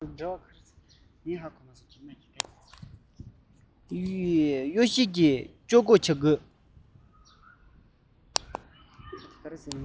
དབྱེ ཞིག ཀྱི དཔྱོད སྒོ འབྱེད དགོས